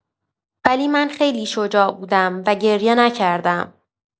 من ولی خیلی شجاع بودم و گریه نکردم.